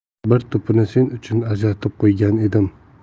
bir to'pini sen uchun ajratib qo'ygan edim